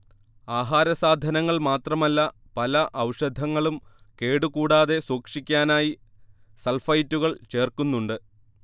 ആഹാരസാധനങ്ങൾ മാത്രമല്ല പല ഔഷധങ്ങളും കേടുകൂടാതെ സൂക്ഷിക്കാനായി സൾഫൈറ്റുകൾ ചേർക്കുന്നുണ്ട്